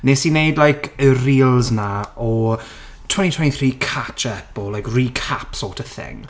Wnes i wneud like y reels 'na o 2023 catch-up or like recap sort of thing.